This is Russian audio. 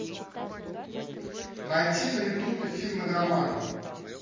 найти на ютубе фильм игроман